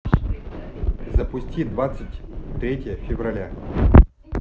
запусти двадцать третье февраля